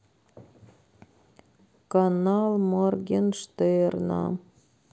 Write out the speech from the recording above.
канал моргенштерна